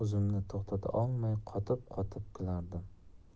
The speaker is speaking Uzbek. olmay qotib qotib kulardim